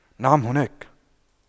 نعم هناك